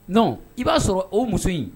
Dɔn i b'a sɔrɔ o muso in